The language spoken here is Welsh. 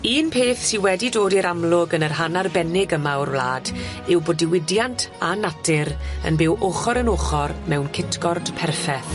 Un peth sy wedi dod i'r amlwg yn y rhan arbennig yma o'r wlad yw bo' diwydiant a natur yn byw ochor yn ochor mewn cytgord perffeth.